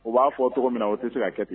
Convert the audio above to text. U b'a fɔ cogo min na, u tɛ se k'a kɛ ten.